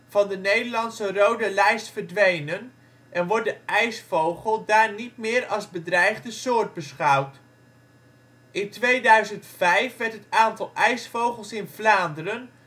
van de Nederlandse Rode Lijst verdwenen en wordt de ijsvogel daar niet meer als bedreigde soort beschouwd. In 2005 werd het aantal ijsvogels in Vlaanderen